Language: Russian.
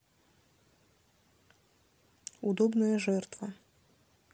удобная жертва